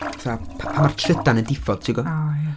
Fatha, p- pan ma'r trydan yn diffodd, tibod?... O ia.